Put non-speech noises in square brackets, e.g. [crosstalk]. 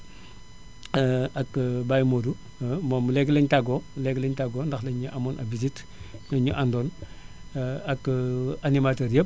[hesitation] ak [hesitation] Baye Modou [hesitation] moom léegi la ñu tàggoo léegi lañu tàggoo ndax daénu amoon ab visite [noise] [hesitation] énu àndoon [noise] [hesitation] ak [hesitation] animateur yëpp